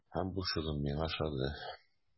Һәм бу шөгыль миңа ошады.